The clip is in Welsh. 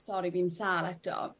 sori fi'n sâl eto